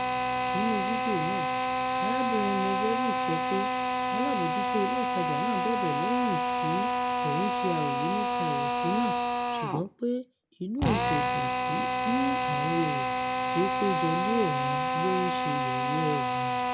Nínú fídíò náà, arábìnrin Knežević sọ pé alábòójútó ilé ìtajà náà bẹ̀bẹ̀ lẹ́yìn tí òun ṣe àròyé nípa ìwọ̀sí náà, ṣùgbọ́n pé inú òun kò dùn sí bí àwọn èrò tí ó pé jọ lé òun lórí ṣe yẹ̀yẹ́ òun.